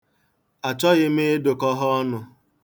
Achọghi m ịdụkọ ha ọnụ.